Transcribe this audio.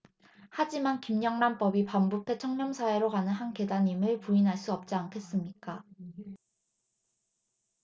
하지만 김영란법이 반부패 청렴 사회로 가는 한 계단임을 부인할 수 없지 않겠습니까